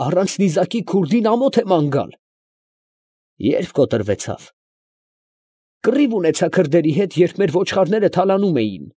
Առանց նիզակի քուրդին ամոթ է ման գալ։ ֊ Ե՞րբ կոտրվեցավ։ ֊ Կռիվ ունեցա քրդերի հետ, երբ մեր ոչխարները թալանում էին։